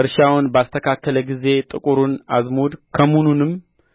እርሻውን ባስተካከለ ጊዜ ጥቁሩን አዝሙድ ከሙኑንም